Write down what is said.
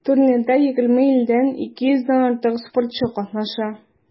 Турнирда 20 илдән 200 дән артык спортчы катнаша.